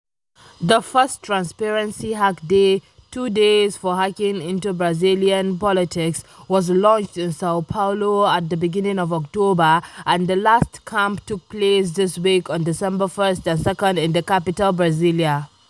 The first Transparência [Transparency] Hackday, “two days for hacking into Brazilian politics”, was launched in São Paulo at the beginning of October, and the last camp took place this week, on December 1st and 2nd, in the capital Brasília [pt].